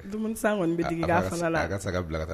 Dumuni kɔni a ka saga bila ka taa